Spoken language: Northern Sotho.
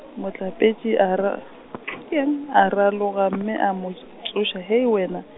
Mohlapetši a ra ,, a raloga- mme a mo tsoša, Hei wena.